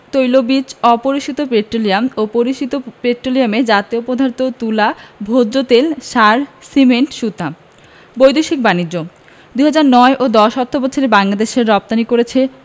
তৈলবীজ অপরিশোধিত পেট্রোলিয়াম ও পরিশোধিত পেট্রোলিয়াম জাতীয় পদার্থ তুলা ভোজ্যতেল সার সিমেন্ট সুতা বৈদেশিক বাণিজ্যঃ ২০০৯ ১০ অর্থবছরে বাংলাদেশ রপ্তানি করেছে